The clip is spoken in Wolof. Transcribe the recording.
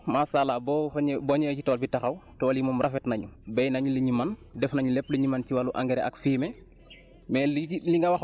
fu mu ne nii nag dugub ji macha allah boo boo fa ñë boo ñëwee ci tool bi taxaw tool yi moom rafet nañu béy nañ li ñu mën def nañu lépp lu ñu mën ci wàllu engrais ak fumier